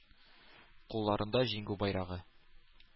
Кулларында җиңү байрагы.